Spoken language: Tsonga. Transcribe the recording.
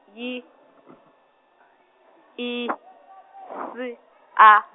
Y, I , F A.